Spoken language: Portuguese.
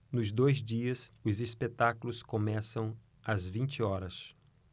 nos dois dias os espetáculos começam às vinte horas